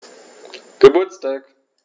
Geburtstag